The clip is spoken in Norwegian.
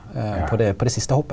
på det på det siste hoppet.